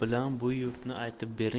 bu yurtni aytib bering